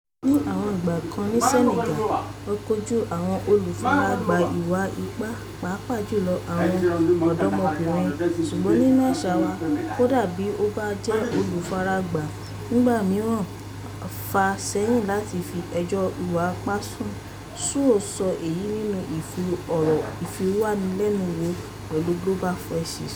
Ní àwọn ìgbà kan ní Senegal, a kojú àwọn olùfaragbà ìwà ipá, pàápàá jùlọ àwọn ọ̀dọ́mọbìnrin, ṣùgbọ́n nínú àṣà wá, kódà bí o bá jẹ́ olùfaragbà, nígbà mìíràn [o] fà sẹ́yìn láti fi ẹjọ́ ìwà ipá sùn, "Sow sọ èyí nínú Ìfọ̀rọ̀wánilẹ́nuwò pẹ̀lú Global Voices.